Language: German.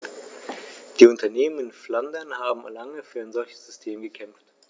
Die Unternehmen in Flandern haben lange für ein solches System gekämpft.